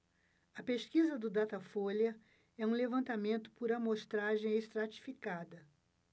a pesquisa do datafolha é um levantamento por amostragem estratificada